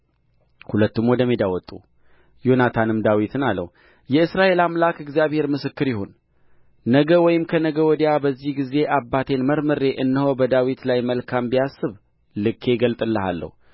ሁለቱም ወደ ሜዳ ወጡ ዮናታንም ዳዊትን አለው የእስራኤል አምላክ እግዚአብሔር ምስክር ይሁን ነገ ወይም ከነገ ወዲያ በዚህ ጊዜ አባቴን መርምሬ እነሆ በዳዊት ላይ መልካም ቢያስብ ልኬ እገልጥልሃለሁ